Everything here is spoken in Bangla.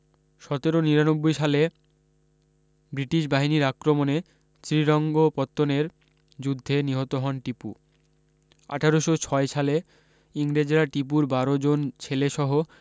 সতেরো নিরানব্বই সালে ব্রিটিশ বাহিনীর আক্রমণে শ্রীরঙ্গপত্তনের যুদ্ধে নিহত হন টিপু আঠারোশ ছয় সালে ইংরেজরা টিপুর বারো জন ছেলে সহ